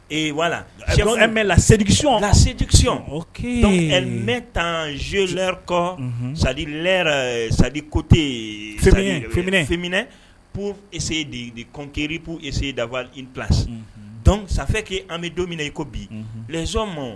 Ee wala cɛ bɛ ladikisiɔn la sedikisiy o ke ne taa zeykɔ sa sa kote yenm p e de koiririp e dawa dɔnkuc sanfɛ' an bɛ don min i ko bi lɛnsonɔn ma